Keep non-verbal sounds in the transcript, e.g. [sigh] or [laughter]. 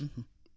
[hesitation] [hesitation]